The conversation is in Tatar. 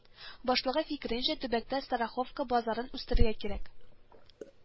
Башлыгы фикеренчә, төбәктә страховка базарын үстерергә кирәк